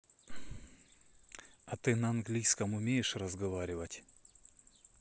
а ты на английском умеешь разговаривать